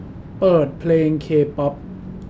เปิดเพลงเคป๊อป